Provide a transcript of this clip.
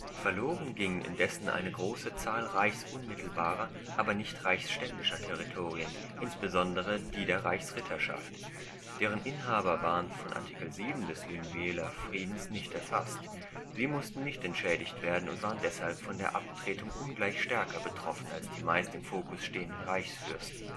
Verloren ging indessen eine große Zahl reichsunmittelbarer, aber nicht reichsständischer Territorien, insbesondere die der Reichsritterschaft. Deren Inhaber waren von Art. 7 des Lunéviller Friedens nicht erfasst; sie mussten nicht entschädigt werden und waren deshalb von der Abtretung ungleich stärker betroffen, als die meist im Fokus stehenden Reichsfürsten